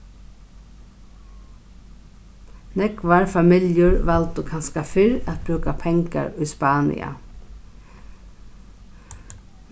nógvar familjur valdu kanska fyrr at brúka pengar í spania